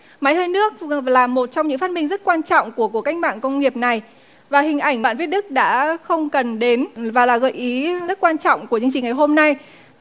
máy hơi nước là một trong những phát minh rất quan trọng của cuộc cách mạng công nghiệp này và hình ảnh bạn viết đức đã không cần đến và là gợi ý rất quan trọng của chương trình ngày hôm nay